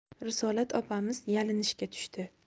risolat opamiz yalinishga tushdi